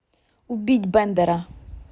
убить бендера